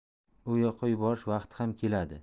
u yoqqa yuborish vaqti ham keladi